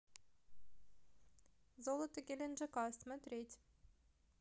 золото геленджика смотреть